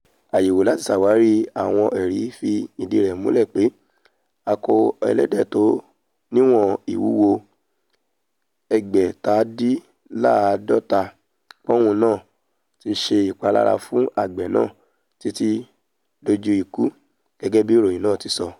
Àyẹ̀wò láti ṣàwárí àwọn ẹ̀rí fi ìdí rẹ̀ múlẹ̀ pé akọ ẹlẹ́dẹ̀ tó níwọn ìwúwo ẹgbẹ̀tadínláàádọ́ta pọ́un náà ti ṣe ìpalára fún àgbẹ̀ náà títí dójú ikù, gẹ́gẹ́bí ìròyìn náà ti sọ.